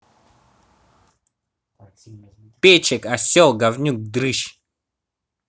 пече осел говнюк дрыщ